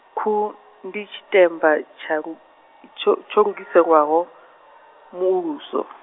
nkhu, ndi tshitemba tshalu-, tsho tsho lugiselwaho, muuluso.